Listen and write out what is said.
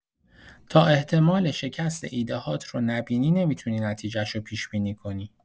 تا احتمال شکست ایده‌هات رو نبینی، نمی‌تونی نتیجه رو پیش‌بینی کنی.